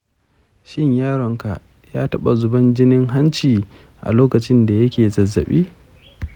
shin yaronka ya taɓa zuban jinin hanci a lokacin da yake zazzaɓi?